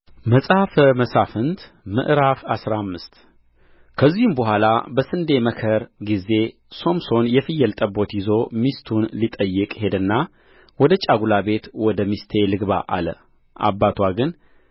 መጽሐፈ መሣፍንት ምዕራፍ አስራ አምስት ከዚህም በኋላ በስንዴ መከር ጊዜ ሶምሶን የፍየል ጠቦት ይዞ ሚስቱን ሊጠይቅ ሄደና ወደ ጫጉላ ቤት ወደ ሚስቴ ልግባ አለ አባትዋ ግን